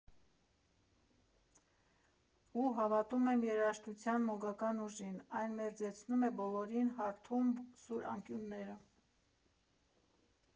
Ու հավատում եմ երաժշտության մոգական ուժին, այն մերձեցնում է բոլորին, հարթում սուր անկյունները։